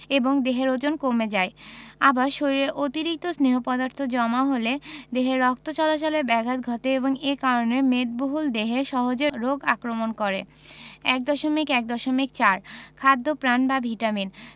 এবং দেহের ওজন কমে যায় আবার শরীরে অতিরিক্ত স্নেহ পদার্থ জমা হলে দেহে রক্ত চলাচলে ব্যাঘাত ঘটে এবং এ কারণে মেদবহুল দেহে সহজে রোগ আক্রমণ করে ১.১.৪ খাদ্যপ্রাণ বা ভিটামিন